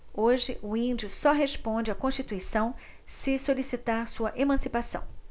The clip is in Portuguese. hoje o índio só responde à constituição se solicitar sua emancipação